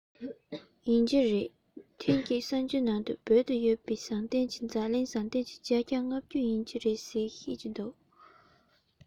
ཡིན གྱི རེད ཐེངས གཅིག གསར འགྱུར ནང དུ བོད དུ ཡོད པའི ཟངས གཏེར གྱིས འཛམ གླིང ཟངས གཏེར གྱི བརྒྱ ཆ ལྔ བཅུ ཟིན གྱི ཡོད ཟེར བཤད འདུག